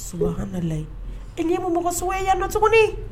Halayi i'i bɛ mɔgɔ su yan nɔ tuguni